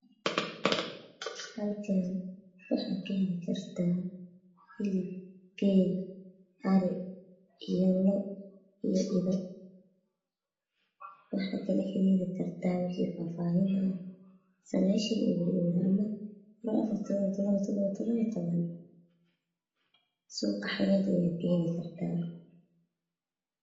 Halkaan waxaa ka heli kartaa hilib geel ari lo.ada idaha waxii faahfaahina waxaa kaheli kartaa 900024777710 hayaat Mol ayaa ka heli kartaa